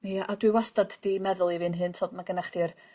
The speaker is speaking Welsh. Ia a dwi wastad 'di meddwl i fi'n hun t'od ma' gynnach chdi'r